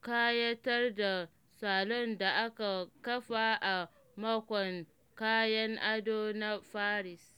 ƙayatar da salon da aka kafa a Makon Kayan Ado na Paris.